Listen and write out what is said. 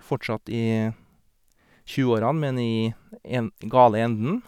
Fortsatt i tjueårene, men i en den gale enden.